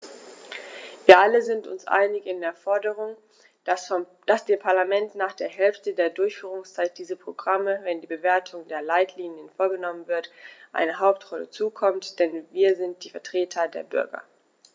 Wir alle sind uns einig in der Forderung, dass dem Parlament nach der Hälfte der Durchführungszeit dieser Programme, wenn die Bewertung der Leitlinien vorgenommen wird, eine Hauptrolle zukommt, denn wir sind die Vertreter der Bürger.